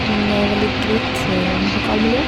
Men det er veldig greit lokalmiljø.